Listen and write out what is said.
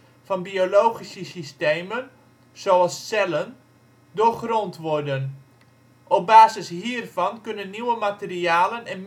van biologische systemen (zoals cellen) doorgrond worden. Op basis hiervan kunnen nieuwe materialen en